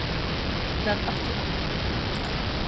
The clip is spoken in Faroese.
lat aftur app